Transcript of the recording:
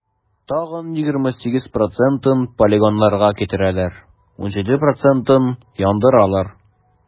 Тагын 28 процентын полигоннарга китерәләр, 17 процентын - яндыралар.